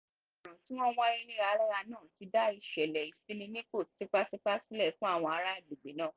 Àwọn ọ̀ràn tí wọ́n ń wáyé léraléra náà ti dá ìṣẹ̀lẹ̀ ìṣínípò tipátipá sílẹ̀ fún àwọn ará agbègbè náà.